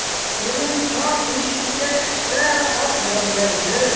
erinchoq eshikka chiqsa ot yollaydi